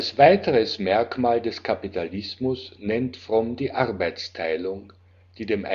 weiteres Merkmal des Kapitalismus nennt Fromm die Arbeitsteilung, die dem